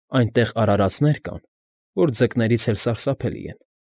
Այնտեղ արարածներ կան, որ ձկներից էլ սարսափելի են։